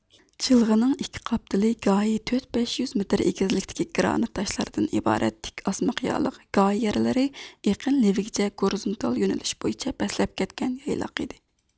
جىلغىنىڭ ئىككى قاپتىلى گاھى تۆت بەش يۈز مېتىر ئېگىزلىكتىكى گرانت تاشلاردىن ئىبارەت تىك ئاسما قىيالىق گاھى يەرلىرى ئېقىن لېۋىگىچە گورزۇنتال يۆنىلىش بويىچە پەسلەپ كەتكەن يايلاق ئىدى